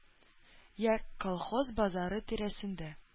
Йә колхоз базары тирәсендә